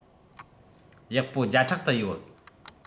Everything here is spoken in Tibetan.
ཡག པོ བརྒྱ ཕྲག དུ ཡོད